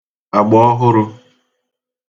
àgbaọhụ̀rụ